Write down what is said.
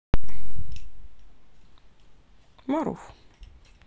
maruv